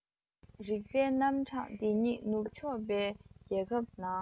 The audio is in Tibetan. རིག པའི རྣམ གྲངས འདི ཉིད ནུབ ཕྱོགས པའི རྒྱལ ཁབ ནང